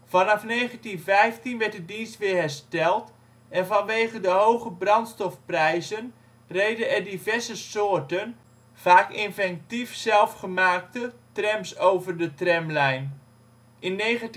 Vanaf 1915 werd de dienst weer hersteld en vanwege de hoge brandstofprijzen reden er diverse soorten, vaak inventief zelfgemaakte, trams over de tramlijn. In 1922